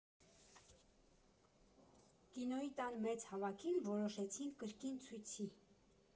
Կինոյի տան մեծ հավաքին որոշեցինք՝ կրկին ցույցի։